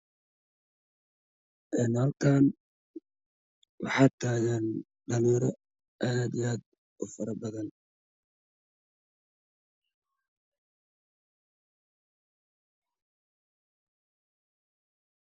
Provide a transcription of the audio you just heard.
Halkaan waxaa taagan dhalin. aad iyo aad fara aad u badan